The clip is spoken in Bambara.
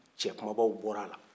cɛ kumabaw bɔrala